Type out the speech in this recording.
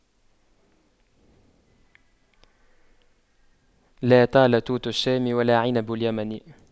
لا طال توت الشام ولا عنب اليمن